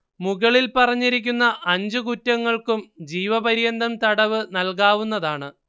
മുകളിൽ പറഞ്ഞിരിക്കുന്ന അഞ്ചു കുറ്റങ്ങൾക്കും ജീവപര്യന്തം തടവും നൽകാവുന്നതാണ്